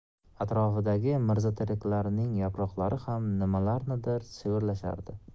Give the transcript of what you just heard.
atrofidagi mirzateraklarning yaproqlari ham nimalarnidir shivirlashardi